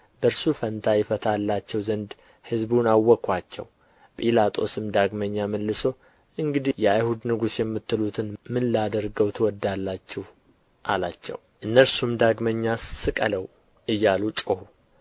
በእርሱ ፈንታ ይፈታላቸው ዘንድ ሕዝቡን አወኩአቸው ጲላጦስም ዳግመኛ መልሶ እንግዲህ የአይሁድ ንጉሥ የምትሉትን ምን ላደርገው ትወዳላችሁ አላቸው እነርሱም ዳግመኛ ስቀለው እያሉ ጮኹ